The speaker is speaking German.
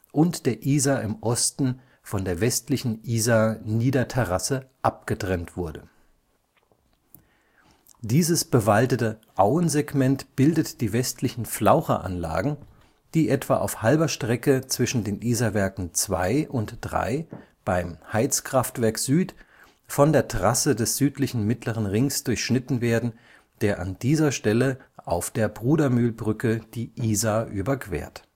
und der Isar im Osten von der westlichen Isar-Niederterrasse abgetrennt wurde. Dieses bewaldete Auensegment bildet die westlichen Flaucheranlagen, die etwa auf halber Strecke zwischen den Isarwerken II und III beim Heizkraftwerk Süd von der Trasse des südlichen Mittleren Ringes durchschnitten werden, der an dieser Stelle auf der Brudermühlbrücke die Isar überquert